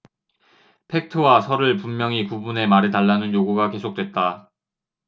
팩트와 설을 분명히 구분해 말해 달라는 요구가 계속됐다